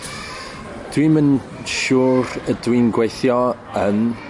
dwi'm yn siwr ydw i'n gweithio yn